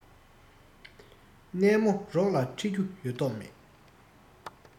གནས མོ རོགས ལ ཁྲིད རྒྱུ ཡོད མདོག མེད